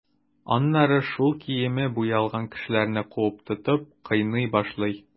Аннары шул киеме буялган кешеләрне куып тотып, кыйный башлый.